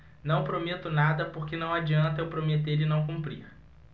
não prometo nada porque não adianta eu prometer e não cumprir